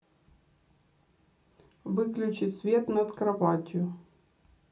выключи свет над кроватью